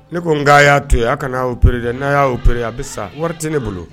Ne ko n nka a y'a toya' kana n'o pere dɛ n'a y'o pere a bɛ sa wari tɛ ne bolo